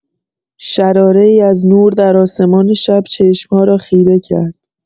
شراره‌ای از نور در آسمان شب چشم‌ها را خیره کرد.